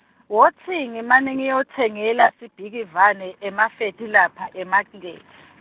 wotsi, ngimane ngiyotsengela Sibhikivane, emafeti lapha, emakethe.